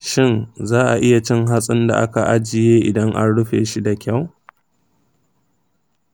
shin za a iya cin hatsin da aka ajiye idan an rufe shi da kyau?